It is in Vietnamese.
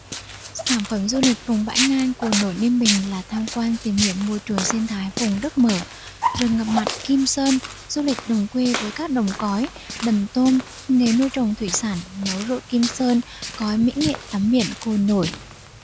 sản phẩm du lịch vùng bãi ngang cồn nổi ninh bình là tham quan tìm hiểu môi trường sinh thái vùng đất mở rừng ngập mặn kim sơn du lịch đồng quê với các đồng cói đầm tôm nghề nuôi trồng thủy sản nấu rượu kim sơn cói mỹ nghệ tắm biển cồn nổi